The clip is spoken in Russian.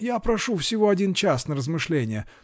-- Я прошу всего один час на размышление .